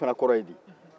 moyi fana kɔrɔ ye di